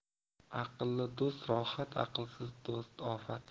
aqlli do'st rohat aqlsiz do'st ofat